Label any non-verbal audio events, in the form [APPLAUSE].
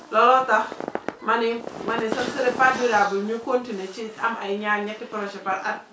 looloo tax [NOISE] ma ni [NOISE] ma ni ça ne serait pas durable ñu continuer ci am ay ñaar ñetti projets par at